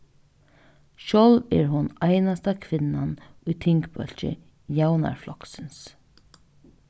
sjálv er hon einasta kvinnan í tingbólki javnaðarfloksins